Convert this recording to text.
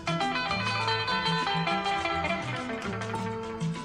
San laban